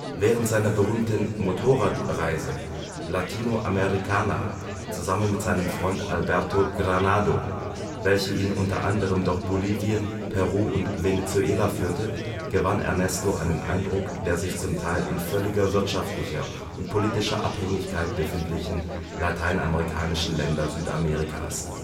Während seiner berühmten Motorradreise (Latino Américana) zusammen mit seinem Freund Alberto Granado, welche ihn u.a. durch Bolivien, Peru und Venezuela führte, gewann Ernesto einen Eindruck der sich z.T. in völliger wirtschaftlicher und politischer Abhängigkeit befindlichen lateinamerikanischen Länder Südamerikas